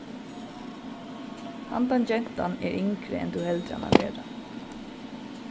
handan gentan er yngri enn tú heldur hana vera